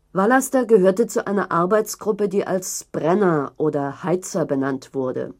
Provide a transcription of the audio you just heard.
Vallaster gehörte zu einer Arbeitsgruppe, die als „ Brenner “oder „ Heizer “benannt wurde